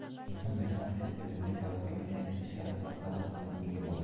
inson mehnat uchun bilimga tavakkal uchun esa sharaf va qadr qimmatga ega bo'ladi